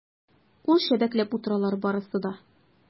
Кул чәбәкләп утыралар барысы да.